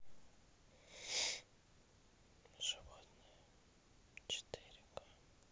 животные четыре ка